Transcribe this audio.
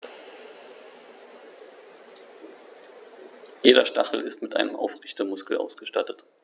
Jeder Stachel ist mit einem Aufrichtemuskel ausgestattet.